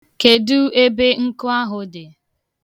Kedu ebe nkụ ahụ dị?